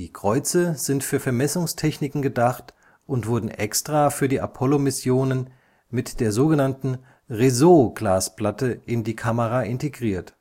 Kreuze sind für Vermessungstechniken gedacht und wurden extra für die Apollo-Missionen mit der so genannten Réseau-Glasplatte in die Kamera integriert